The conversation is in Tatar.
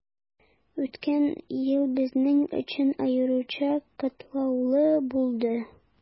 Үткән ел безнең өчен аеруча катлаулы булды.